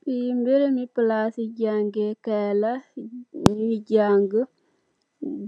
Fee mereme plase jangekay la nuy jange